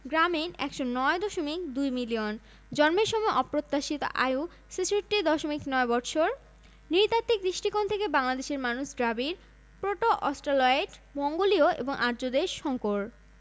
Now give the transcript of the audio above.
গ্রামীণ ১০৯দশমিক ২ মিলিয়ন জন্মের সময় প্রত্যাশিত আয়ু ৬৬দশমিক ৯ বৎসর নৃতাত্ত্বিক দৃষ্টিকোণ থেকে বাংলাদেশের মানুষ দ্রাবিড় প্রোটো অস্ট্রালয়েড মঙ্গোলীয় এবং আর্যদের সংকর